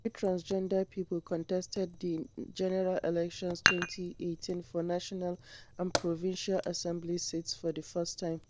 A few Transgender people contested the General Elections 2018 for National and Provincial Assembly seats for the first time.